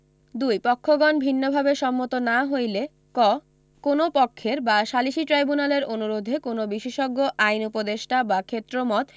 ২ পক্ষগণ ভিন্নভাবে সম্মত না হইলে ক কোন পক্ষের বা সালিসী ট্রাইব্যুনালের অনুরোধে কোন বিশেষজ্ঞ আইন উপদেষ্টা বা ক্ষেত্রমত